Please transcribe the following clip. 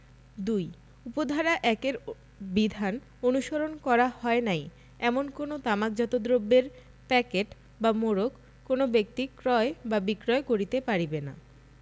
২ উপ ধারা ১ এর বিধান অনুসরণ করা হয় নাই এমন কোন তামাকজাত দ্রব্যের প্যাকেট বা মোড়ক কোন ব্যক্তি ক্রয় বা বিক্রয় করিতে পারিবে না